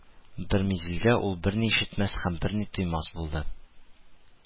Бер мизелгә ул берни ишетмәс һәм берни тоймас булды